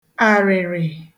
àrị̀rị̀